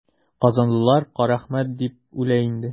Казанлылар Карәхмәт дип үлә инде.